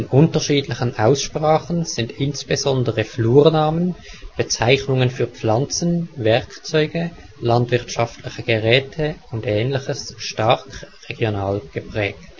unterschiedlichen Aussprachen sind insbesondere Flurnamen, Bezeichnungen für Pflanzen, Werkzeuge, landwirtschaftliche Geräte und Ähnliches stark regional geprägt